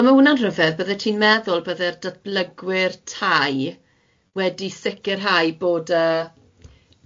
Wel ma' hwnna'n rhyfedd, bydde ti'n meddwl bydde'r datblygwyr tai wedi sicrhau bod yy